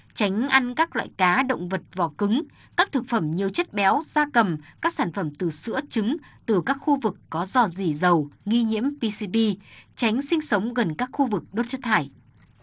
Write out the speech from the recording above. tránh ăn các loại cá động vật vỏ cứng các thực phẩm nhiều chất béo gia cầm các sản phẩm từ sữa trứng từ các khu vực có rò rỉ dầu nghi nhiễm pi xi bi tránh sinh sống gần các khu vực đốt chất thải